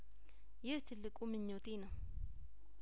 ይህ ትልቁ ምኞቴ ነው